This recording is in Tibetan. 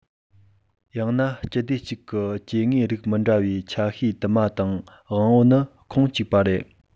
ཡང ན སྤྱི སྡེ གཅིག གི སྐྱེ དངོས རིགས མི འདྲ བའི ཆ ཤས དུ མ དང དབང པོ ནི ཁུངས གཅིག པ རེད